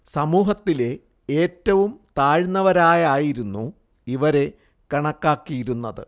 സമൂഹത്തിലെ ഏറ്റവും താഴ്ന്നവരായായിരുന്നു ഇവരെ കണക്കാക്കിയിരുന്നത്